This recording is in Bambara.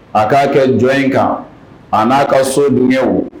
A k'a kɛ jɔn in kan a n'a ka so dunw